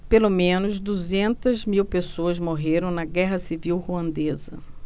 pelo menos duzentas mil pessoas morreram na guerra civil ruandesa